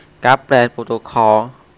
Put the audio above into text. กราฟแบรนด์โปรโตคอล